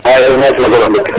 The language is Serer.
*